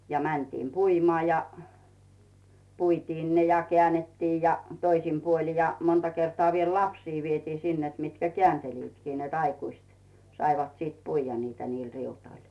ja mentiin puimaan ja puitiin ne ja käännettiin ja toisin puolin ja monta kertaa vielä lapsia vietiin sinne että mitkä kääntelivätkin että aikuiset saivat sitten puida niitä niillä riutoilla